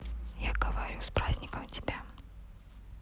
я говорю с праздником тебя